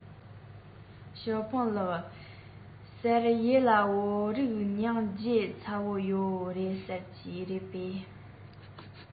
ཞའོ ཧྥུང ལགས ཟེར ཡས ལ བོད རིགས སྙིང རྗེ ཚ པོ ཡོད རེད ཟེར གྱིས རེད པས